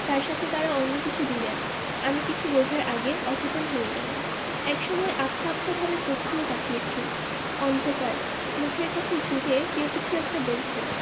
তার সাথে তারা অন্য কিছু দিলেন আমি কিছু বোঝার আগে অচেতন হয়ে গেলাম একসময় আবছা আবছাভাবে চোখ খুলে তাকিয়েছি অন্ধকার মুখের কাছে ঝুঁকে কেউ কিছু একটা বলছেন